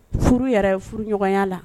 Furu yɛrɛ furu ɲɔgɔnya la